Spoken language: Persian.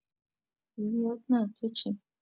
زیاد نه. تو چی؟